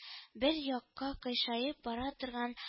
Бер якка кыйшаеп бара торган